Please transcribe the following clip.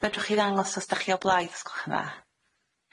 Fedrwch chi ddangos os 'dach chi o blaid os gwelwch yn dda.